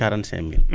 quarante cinq mille